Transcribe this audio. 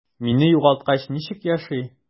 Мине югалткач, ничек яши?